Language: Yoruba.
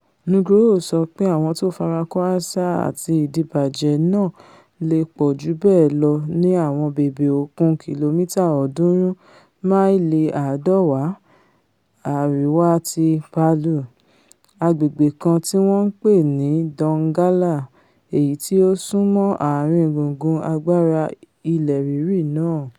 Nugroho sọ pé àwọn tó farakó áásá àti ìdibàjẹ́ náà leè pọ̀jù bẹ́ẹ̀ lọ ní àwọn bèbè òkun kílòmìtà 300 (máìlì 190) àríwá ti Palu, agbègbè̀ kan tíwọn ńpè ní Donggala, èyití ó súnmọ́ ààrin gungun agbára ilẹ̀ rírì náà.